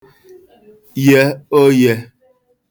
ye oyē